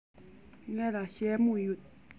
ང ལ ཞྭ མོ ཡོད